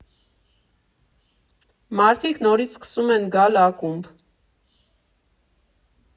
Մարդիկ նորից սկսում են գալ ակումբ։